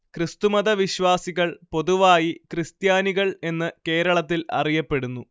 ക്രിസ്തുമത വിശ്വാസികൾ പൊതുവായി ക്രിസ്ത്യാനികൾ എന്ന് കേരളത്തിൽ അറിയപ്പെടുന്നു